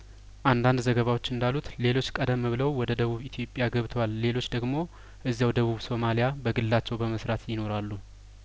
አንዳንድ ዘገባዎች እንዳሉት ሌሎች ቀደም ብለው ወደ ደቡብ ኢትዮጵያ ገብተዋል ሌሎች ደግሞ እዚያው ደቡብ ሶማሊያበግላቸው በመስራት ይኖራሉ